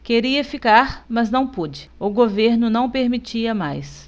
queria ficar mas não pude o governo não permitia mais